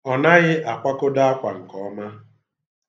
Ọ naghị akwakọdo akwa nke ọma.